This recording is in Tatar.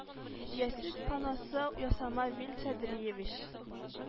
Йә сүз паносы ясама вил садриевич